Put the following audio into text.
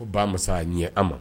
Ko ba masa ɲɛ an ma